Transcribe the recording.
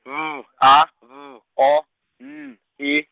B , A, B, O, N, E.